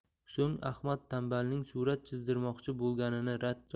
so'ng ahmad tanbalning surat chizdirmoqchi bo'lganini rad